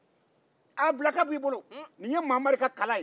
nin ye mamari ka kala ye